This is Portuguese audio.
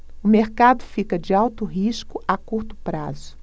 o mercado fica de alto risco a curto prazo